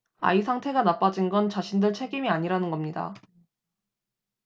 아이 상태가 나빠진 건 자신들 책임이 아니라는 겁니다